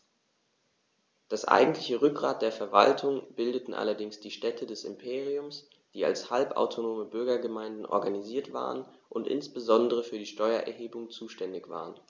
Das eigentliche Rückgrat der Verwaltung bildeten allerdings die Städte des Imperiums, die als halbautonome Bürgergemeinden organisiert waren und insbesondere für die Steuererhebung zuständig waren.